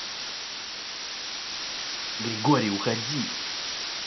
григорий уходи